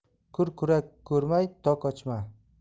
kurkurak ko'rmay tok ochma